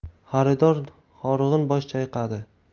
xaridor horg'in bosh chayqadi